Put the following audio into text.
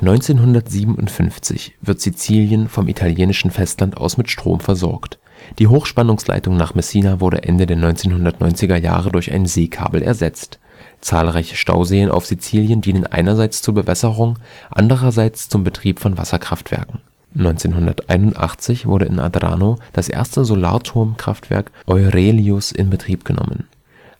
1957 wird Sizilien vom italienischen Festland aus mit Strom versorgt. Die Hochspannungsleitung nach Messina wurde Ende der 1990er Jahre durch ein Seekabel ersetzt. Die zahlreichen Stauseen auf Sizilien dienen einerseits zur Bewässerung, andererseits zum Betrieb von Wasserkraftwerken. 1981 wurde in Adrano das erste Solarturmkraftwerk Eurelios in Betrieb genommen.